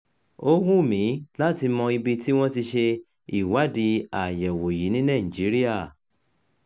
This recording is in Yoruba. Ó hùn mí láti mọ IBI tí wọ́n ti ṣe ìwádìí-àyẹ̀wò yìí ní Nàìjíríà.